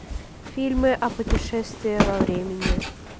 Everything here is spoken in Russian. фильмы о путешествии во времени